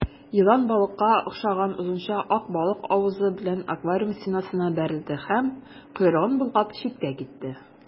Елан балыкка охшаган озынча ак балык авызы белән аквариум стенасына бәрелде һәм, койрыгын болгап, читкә китте.